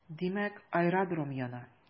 Димәк, аэродром яна.